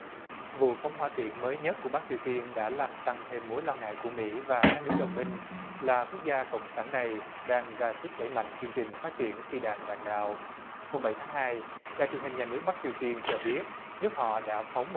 vụ phóng hỏa tiễn mới nhất của bắc triều tiên đã làm tăng thêm mối lo ngại của mỹ và các nước đồng minh là quốc gia cùng sáng nay đang ra sức đẩy mạnh chương trình phát triển phi đạn đạn đạo hôm bảy tháng hai đài truyền hình nhà nước bắc triều tiên cho biết nước họ đã phóng